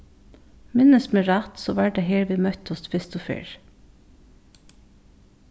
minnist meg rætt so var tað her vit møttust fyrstu ferð